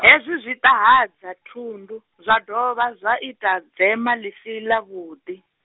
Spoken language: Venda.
hezwi zwi ṱahadza thundu, zwa dovha zwa ita dzema ḽi si ḽavhuḓi.